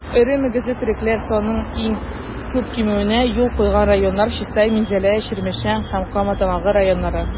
Эре мөгезле терлекләр санының иң күп кимүенә юл куйган районнар - Чистай, Минзәлә, Чирмешән һәм Кама Тамагы районнары.